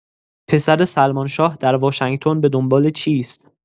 پسر سلمان شاه، در واشنگتن به دنبال چیست؟